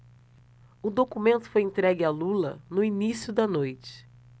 o documento foi entregue a lula no início da noite